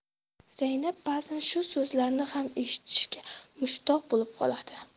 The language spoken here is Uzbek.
zaynab ba'zan shu so'zlarni ham eshitishga mushtoq bo'lib qoladi